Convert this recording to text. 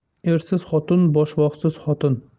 ersiz xotin boshvoqsiz xotin